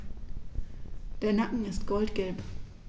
Der Nacken ist goldgelb.